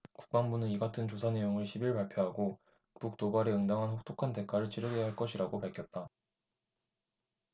국방부는 이 같은 조사내용을 십 일 발표하고 북 도발에 응당한 혹독한 대가를 치르게 할 것이라고 밝혔다